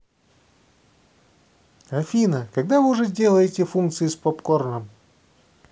афина когда вы уже сделаете функцию с попкорном